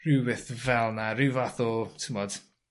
rhwbeth fel 'na ryw fath o t'mod